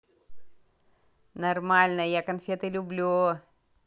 нормально я конфеты люблю